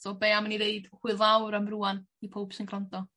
So be am i ni ddeud hwyl fawr am rŵan i powb sy'n grando?